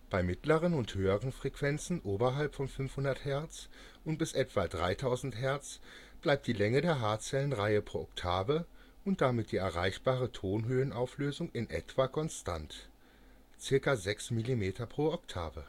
Bei mittleren und höheren Frequenzen oberhalb von 500 Hz und bis etwa 3000 Hz bleibt die Länge der Haarzellenreihe pro Oktave und damit die erreichbare Tonhöhenauflösung in etwa konstant. (ca. 6 mm pro Oktave